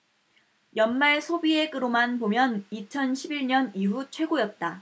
연말 소비액으로만 보면 이천 십 일 년 이후 최고였다